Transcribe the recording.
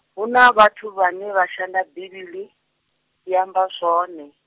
huna vhathu vhane vha shanda Bivhili, ya amba zwone.